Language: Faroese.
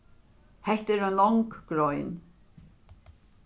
hetta er ein long grein